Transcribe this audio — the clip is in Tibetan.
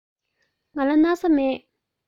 ང ལ སྣག ཚ མེད